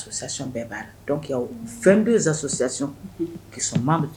Association bɛɛ b'a la donc il y a 22 associations qui sont membres